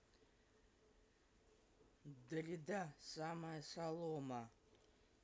dalida самая солома